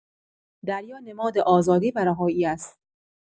دریا نماد آزادی و رهایی است؛